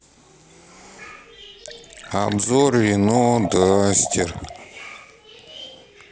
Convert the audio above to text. обзор рено дастер